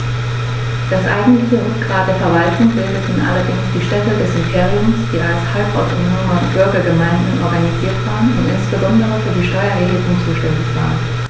Das eigentliche Rückgrat der Verwaltung bildeten allerdings die Städte des Imperiums, die als halbautonome Bürgergemeinden organisiert waren und insbesondere für die Steuererhebung zuständig waren.